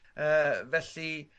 yy felly